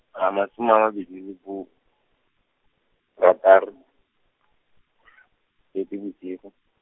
masome a mabedi le borataro , Seetebosigo.